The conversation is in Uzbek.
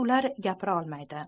ular gapira olmaydi